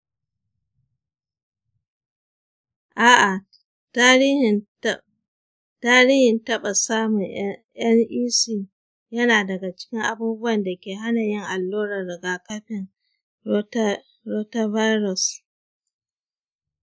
a’a, tarihin taɓa samun nec yana daga cikin abubuwan da ke hana yin allurar rigakafin rotavirus.